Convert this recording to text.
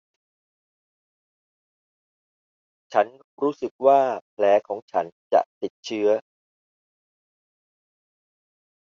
ฉันรู้สึกว่าแผลของฉันจะติดเชื้อ